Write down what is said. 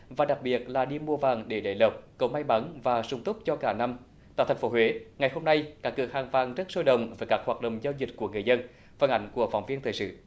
và đặc biệt là đi mua vàng để lấy lộc cầu may mắn và sung túc cho cả năm tại thành phố huế ngày hôm nay các cửa hàng vàng rất sôi động với các hoạt động giao dịch của người dân phản ánh của phóng viên thời sự